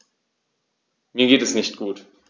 Mir geht es nicht gut.